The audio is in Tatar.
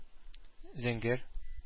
Зәңгәр